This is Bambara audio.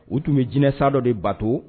U tun be jinɛ sa dɔ de batoo